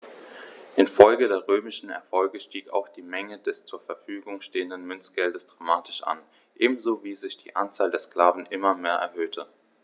Infolge der römischen Erfolge stieg auch die Menge des zur Verfügung stehenden Münzgeldes dramatisch an, ebenso wie sich die Anzahl der Sklaven immer mehr erhöhte.